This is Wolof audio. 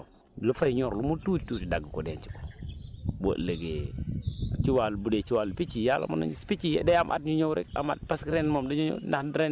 kenn ku nekk na toppatoo toolam lu fay ñor lu mu tuuti tuuti dagg ko denc ko bu ëllëgee ci wàllu bu dee ci wàllu picc yi yàlla mun nañu si picc yi day am at ñu ñëw rek at